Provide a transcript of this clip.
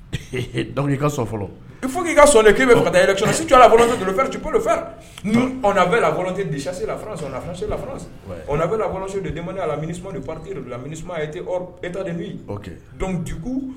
Donc i ka sɔn fɔlɔ , il faut que i ka sɔn fɔlɔ k'i bɛ fɛ ka taa election na si tu as la volonté de le faire , tu peux le faire, Nous on avait la voloneé de chasser la france, on a chassé la France, on avait la volonté de demander a la Munusma de partir, la Munusma a été hors d'état de nuire, ok, d'accord